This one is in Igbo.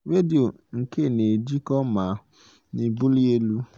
Redio nke na-ejikọ ma na-ebuli elu